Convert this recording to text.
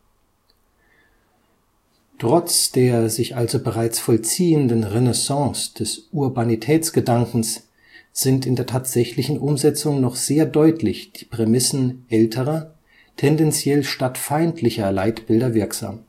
Trotz der sich also bereits vollziehenden Renaissance des Urbanitätsgedankens sind in der tatsächlichen Umsetzung noch sehr deutlich die Prämissen älterer, tendenziell stadtfeindlicher Leitbilder wirksam